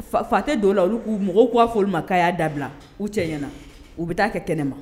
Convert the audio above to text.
Fa tɛ dɔw la olu k'u mɔgɔw k'a fɔ ma ka y'a dabila u cɛɲɛnaana u bɛ taa kɛ kɛnɛ ma